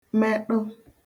meṭụ